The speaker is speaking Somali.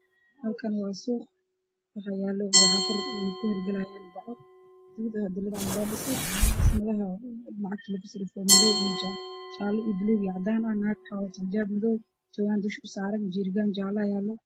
Halkaan waa suuq waxaa yaalo sanduuqa sarifka lacagaha